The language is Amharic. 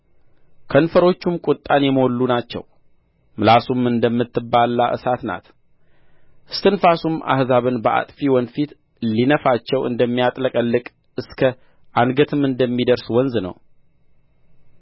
ከንፈሮቹም ቍጣን የሞሉ ናቸው ምላሱም እንደምትበላ እሳት ናት እስትንፋሱም አሕዛብን በአጥፊ ወንፊት ሊነፋቸው እንደሚያጥለቀልቅ እስከ አንገትም እንደሚደርስ ወንዝ ነው